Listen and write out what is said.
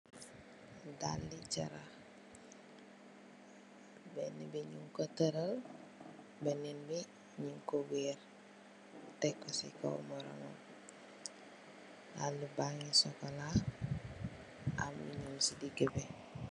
Daal li charah, benn bi nung ko tëddal, benen bi nung ko wërr tekk ko ci kaw moromam bi. Daal ba ngi sokola, am lu ñuul ci digi bi.